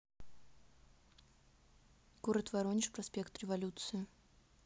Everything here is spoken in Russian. город воронеж проспект революции